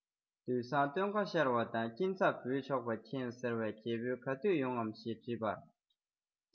དུས སང སྟོན ཁ ཤར བ དང སྐྱིད ཚབ འབུལ ཆོག པ མཁྱེན ཟེར བས རྒྱལ པོས ག དུས ཡོང ངམ ཞེས དྲིས པར